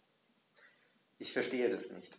Ich verstehe das nicht.